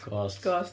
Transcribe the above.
Ghost, ghost.